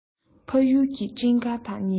ཕ ཡུལ གྱི སྤྲིན དཀར དང ཉི ཟླ